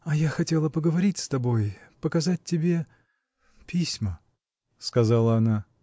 — А я хотела поговорить с тобой, показать тебе. письма. — сказала она.